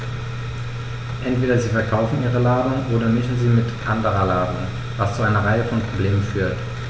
Entweder sie verkaufen ihre Ladung oder mischen sie mit anderer Ladung, was zu einer Reihe von Problemen führt.